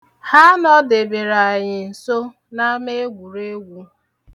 Ha nọdebere anyị nso n'ameegwureegwu.